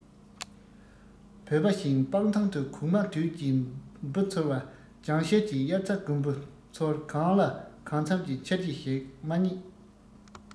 བོད པ བཞིན སྤང ཐང དུ གུག མ དུད ཀྱིས འབུ འཚོལ བ རྒྱང ཤེལ གྱིས དབྱར རྩྭ དགུན འབུ འཚོལ གང ལ གང འཚམ གྱི འཆར གཞི ཞིག མ རྙེད